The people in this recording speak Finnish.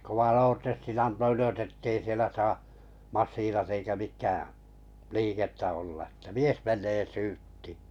ne kovan oortestin antoi ylös että ei siellä saa masiinat eikä mikä liikettä olla että mies menee syyttiin